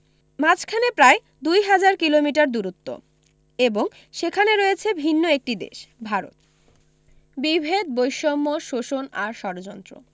মাঝখানে প্রায় দুই হাজার কিলোমিটার দূরত্ব এবং সেখানে রয়েছে ভিন্ন একটি দেশ ভারত বিভেদ বৈষম্য শোষণ আর ষড়যন্ত্র